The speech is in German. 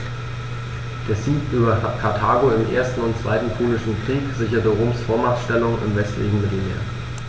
Der Sieg über Karthago im 1. und 2. Punischen Krieg sicherte Roms Vormachtstellung im westlichen Mittelmeer.